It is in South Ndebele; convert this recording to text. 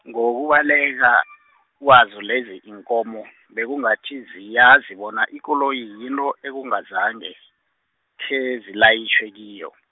nokubaleka , kwazo lezi iinkomo, bekungathi ziyazi bona ikoloyi yinto ekungazange, khezilayitjhwe kiyo.